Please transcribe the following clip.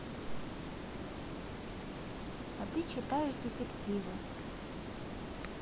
а ты читаешь детективы